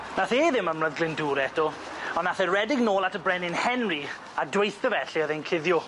Nath e ddim ymladd Glyndŵr eto on' nath e redeg nôl at y brenin Henry a dweutho fe lle o'dd e'n cuddio.